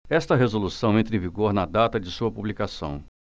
esta resolução entra em vigor na data de sua publicação